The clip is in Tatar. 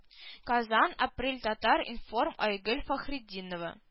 Казан апрель татар-информ айгөл фәхретдинова